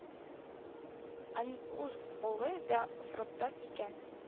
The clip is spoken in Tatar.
Аның үз улы да фронттан икән